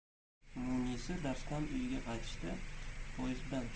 munisa darsdan uyiga qaytishda poyezddan tushib